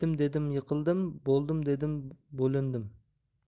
boidim dedim bo'lindim